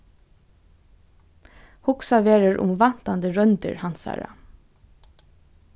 hugsað verður um vantandi royndir hansara